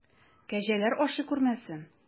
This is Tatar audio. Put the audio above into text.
Кәҗәләр ашый күрмәсен!